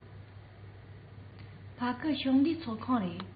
ཕ གི ཕྱོགས བསྡུས ཚོགས ཁང རེད